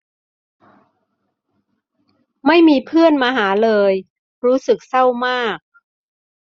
ไม่มีเพื่อนมาหาเลยรู้สึกเศร้ามาก